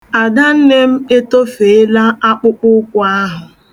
Ada nne m etofeela akpụụkwụ ahụ